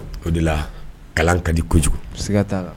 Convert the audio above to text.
O de la kalan ka di kojugu siga taara